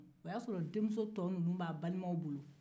o y'a sɔrɔ denmuso tɔ ninnuw bɛ balima tɔw bolo